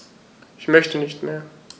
Ich möchte nicht mehr.